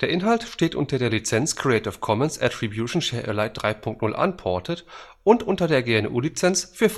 Der Inhalt steht unter der Lizenz Creative Commons Attribution Share Alike 3 Punkt 0 Unported und unter der GNU Lizenz für